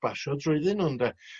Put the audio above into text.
basio drwyddyn n'w ynde.